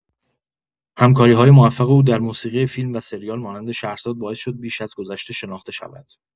همکاری‌های موفق او در موسیقی فیلم و سریال مانند شهرزاد باعث شد بیش از گذشته شناخته شود.